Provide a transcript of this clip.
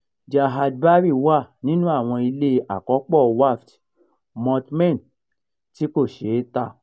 Jahaj Bari wà nínú àwọn ilé àkọ́pọ̀ Waqf (mortmain) tí kò ṣe é tà.